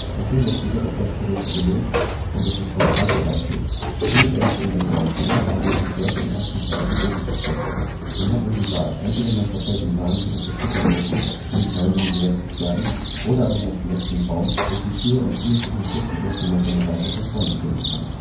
Nachdem der Spieler das letzte Rätsel löst und durch das Portal reist, findet er sich in dem Raum wieder, in dem sich Red im ersten Teil im Ofen versteckte. Man hat nun die Wahl, entweder man verfällt dem Wahnsinn und betritt den Ofen, um gemeinsam mit Red zu sterben; oder aber man verlässt den Raum durch die Tür und findet sich im Schiff wieder, wo man seine Reise von vorn beginnen kann